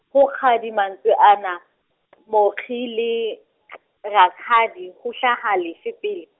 ho kgadi mantswe ana , mokgi le rakgadi, ho hlaha lefe pele?